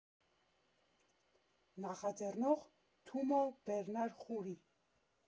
Նախաձեռնող՝ Թումո Բերնար Խուրի։